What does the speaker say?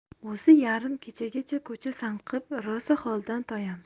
o'zi yarim kechagacha ko'cha sanqib rosa holdan toyamiz